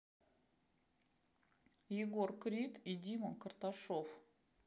егор крид и дима карташов